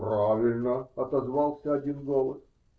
-- Правильно, -- отозвался один голос.